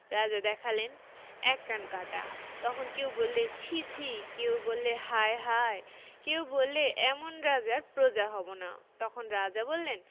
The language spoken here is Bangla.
রাজা দেখালেন এক কান কাটা তখন কেউ বললে ছি ছি' কেউ বললে হায় হায় কেউ বললে এমন রাজার প্ৰজা হব না তখন রাজা বললেন